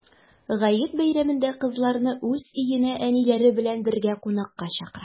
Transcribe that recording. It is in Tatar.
Гает бәйрәмендә кызларны уз өенә әниләре белән бергә кунакка чакыра.